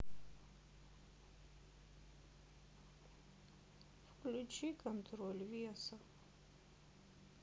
включи контроль веса